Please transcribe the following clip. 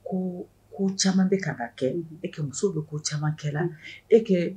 Ko ko caman bɛ ka kɛ e muso bɛ ko caman kɛ e